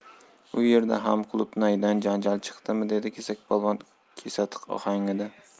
u yerda ham qulupnaydan janjal chiqdimi dedi kesakpolvon kesatiq ohangida